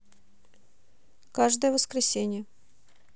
каждое воскресенье